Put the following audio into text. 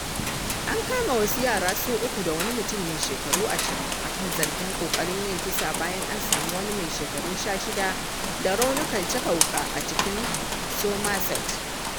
An kama wasu yara su uku da wani mutum mai shekaru 20 a kan zargin ƙoƙarin yin kisa bayan an sami wani mai shekaru 16 da raunukan caka wuƙa a cikin Somerset.